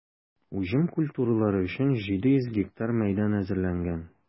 Уҗым культуралары өчен 700 га мәйдан әзерләнгән.